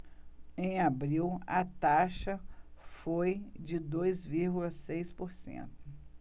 em abril a taxa foi de dois vírgula seis por cento